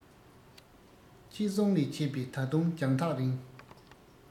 ཁྱེད གསུང ལས མཆེད པའི ད དུང རྒྱང ཐག རིང